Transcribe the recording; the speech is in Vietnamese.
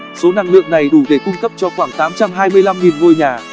số năng lượng này đủ để cung cấp cho khoảng ngôi nhà